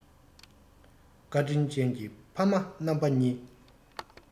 བཀའ དྲིན ཅན གྱི ཕ མ རྣམ པ གཉིས